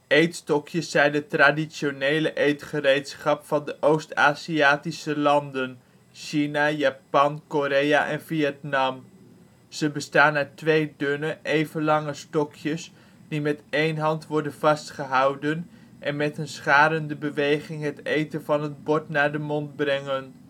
Eetstokjes zijn het traditionele eetgereedschap van de Oost-Aziatische landen: China, Japan, Korea en Vietnam. Ze bestaan uit twee dunne, even lange stokjes, die met één hand worden vastgehouden en met een scharende beweging het eten van het bord naar de mond brengen